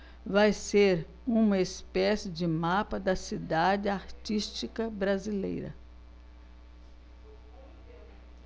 vai ser uma espécie de mapa da cidade artística brasileira